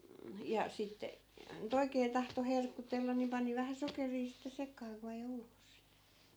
ja sitten nyt oikein tahtoi herkutella niin pani vähän sokeria sitten sekaan kun vei ulos